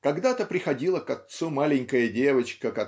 Когда-то приходила к отцу маленькая девочка